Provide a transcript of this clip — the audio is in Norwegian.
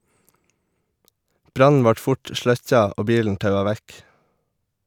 Brannen vart fort sløkkja og bilen taua vekk.